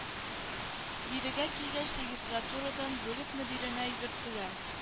Бирегә килгәч регистратурадан бүлек мөдиренә йөгерттеләр